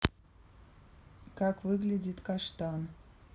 как выглядит каштан